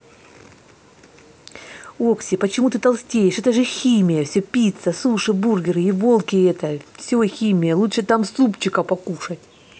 окси почему не толстеешь это же химия все пицца суши бургеры и волки это все химия лучше там супчика покушать